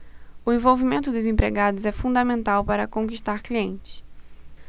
o envolvimento dos empregados é fundamental para conquistar clientes